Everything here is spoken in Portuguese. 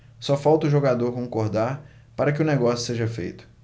só falta o jogador concordar para que o negócio seja feito